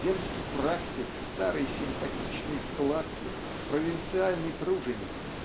земский практик старой симпатичной складки провинциальный труженик